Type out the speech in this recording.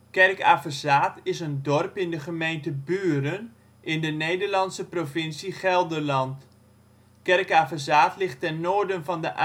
Kerk-Avezaath is een dorp in de gemeente Buren, in de Nederlandse provincie Gelderland. Kerk-Avezaath ligt ten noorden van de